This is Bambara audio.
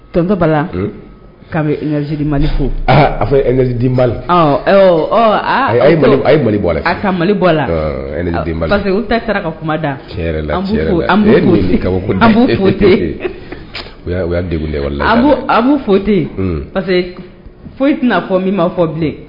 Tontɔba' bɛzi mali fo a fɔzdi la a ka mali bɔ la pa que u tɛ saraka ka kuma da abute a abu fote parce foyi tɛna fɔ min ma fɔ bilen